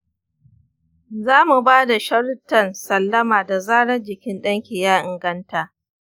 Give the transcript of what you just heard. za mu ba da sharuddan sallama da zarar jikin ɗanki ya inganta.